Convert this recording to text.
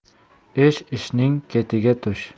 ish ishning ketiga tush